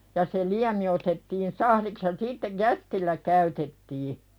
ja se liemi otettiin sahdiksi ja sitten jästillä käytettiin